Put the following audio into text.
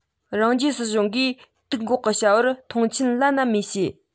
རང རྒྱལ སྲིད གཞུང གིས དུག འགོག གི བྱ བར མཐོང ཆེན བླ ན མེད བྱས